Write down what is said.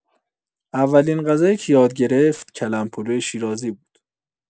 اولین غذایی که یاد گرفت، کلم‌پلو شیرازی بود.